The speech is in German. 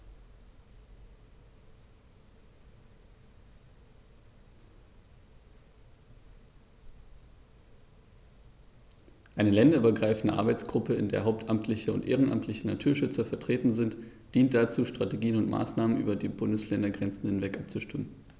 Eine länderübergreifende Arbeitsgruppe, in der hauptamtliche und ehrenamtliche Naturschützer vertreten sind, dient dazu, Strategien und Maßnahmen über die Bundesländergrenzen hinweg abzustimmen.